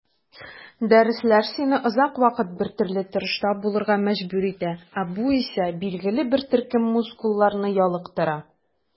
Дәресләр сине озак вакыт бертөрле торышта булырга мәҗбүр итә, ә бу исә билгеле бер төркем мускулларны ялыктыра.